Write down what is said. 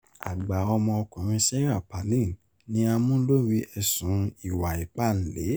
Àgbà ọmọ ọkùnrin Sarah Palin ni a mú lóri ẹsùn Ìwà ìpá ìlè.